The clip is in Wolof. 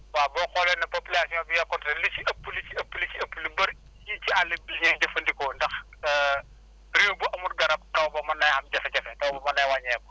waaw boo xoolee ne population bi yokku te li ci ëpp li ci ëpp li ci ëpp lu bëri ci ci àll bi li ngay jëfandikoo ndax réew bu amul garab taw ba mën na am jafe-jafe taw ba mën naa wàññeeku